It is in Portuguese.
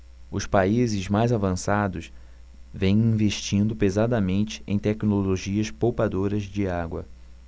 os países mais avançados vêm investindo pesadamente em tecnologias poupadoras de água